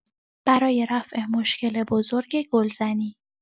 برای رفع مشکل بزرگ گلزنی